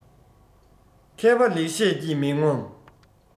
མཁས པ ལེགས བཤད ཀྱིས མི ངོམས